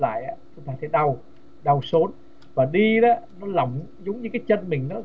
lại á chúng ta thấy đau đau sốn mà đi á nó lỏng giống như cái chân mình nó